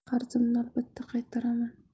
qarzimni albatta qaytaraman